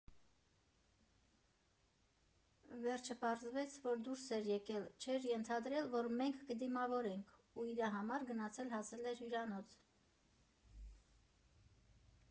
Վերջը պարզվեց, որ դուրս էր եկել, չէր ենթադրել, որ մենք կդիմավորենք ու իրա համար գնացել֊հասել էր հյուրանոց։